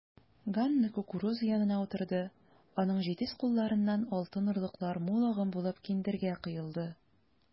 Ганна кукуруза янына утырды, аның җитез кулларыннан алтын орлыклар мул агым булып киндергә коелды.